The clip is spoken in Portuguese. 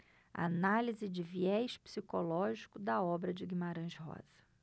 análise de viés psicológico da obra de guimarães rosa